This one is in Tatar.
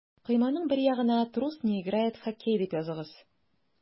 Койманың бер ягына «Трус не играет в хоккей» дип языгыз.